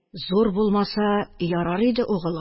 Зур булмаса ярар иде, угылым